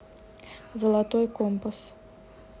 золотой компас